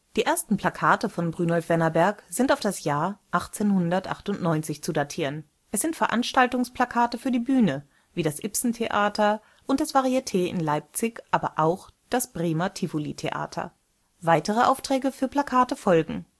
Die ersten Plakate von Brynolf Wennerberg sind auf das Jahr 1898 zu datieren. Es sind Veranstaltungsplakate für die Bühne, wie für das „ Ibsen-Theater “und das Varieté in Leipzig, aber auch das Bremer Tivolitheater. Weitere Aufträge für Plakate folgten